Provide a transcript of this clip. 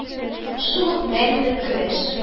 Шул ук мәңгелек көрәш